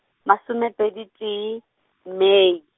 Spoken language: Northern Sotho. masomepedi tee, Mei.